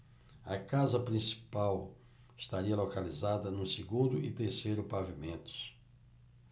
a casa principal estaria localizada no segundo e terceiro pavimentos